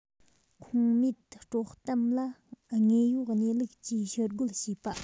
ཁུངས མེད དཀྲོག གཏམ ལ དངོས ཡོད གནས ལུགས ཀྱིས ཕྱིར རྒོལ བྱེད པ